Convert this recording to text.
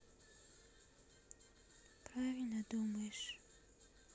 правильно думаешь